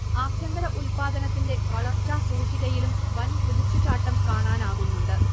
ആഭ്യന്തര ഉൽപാദനത്തിന്റെ വളർച്ചാ സൂചികയിലും വൻകുതിച്ചു ചാട്ടം കാണാനാകുന്നുണ്ട്